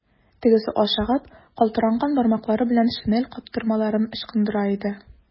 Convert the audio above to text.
Тегесе ашыгып, калтыранган бармаклары белән шинель каптырмаларын ычкындыра иде.